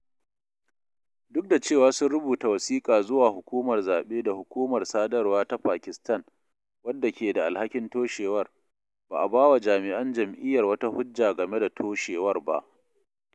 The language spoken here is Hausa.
Duk da cewa sun rubuta wasiƙa zuwa hukumar zaɓe da Hukumar Sadarwa ta Pakistan (wadda ke da alhakin toshewar), ba a bawa jami'an jam'iyyar wata hujja game da toshewar ba.